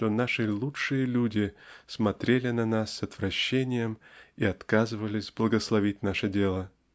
что наши лучшие люди смотрели на нас с отвращением и отказывались благословить наше дело?